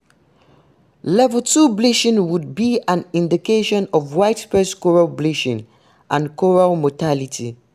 Level Two bleaching would be an indication of widespread coral bleaching and coral mortality.